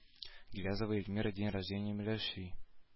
Гилязова эльмира день рождения миляуши